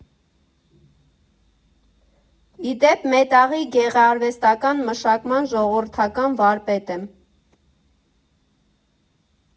Ի դեպ, մետաղի գեղարվեստական մշակման ժողովրդական վարպետ եմ։